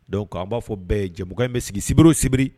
Donc an b'a fɔ bɛɛ ye jɛmukan in bɛ sigi sibiri o sibiri.